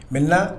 Mɛ